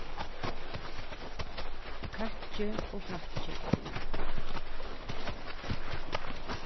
krakki og frakki